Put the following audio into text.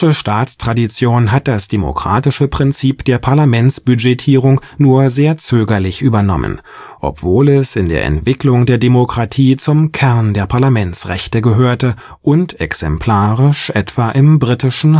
Staatstradition hat das demokratische Prinzip der Parlamentsbudgetierung nur sehr zögerlich übernommen, obwohl es in der Entwicklung der Demokratie zum Kern der Parlamentsrechte gehörte und exemplarisch etwa im britischen